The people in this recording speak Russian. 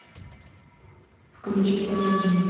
включи позвони